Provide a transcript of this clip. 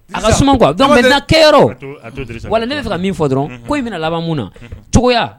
A kɛyɔrɔ wa ne min fɔ dɔrɔn ko i bɛna labanmu na cogoya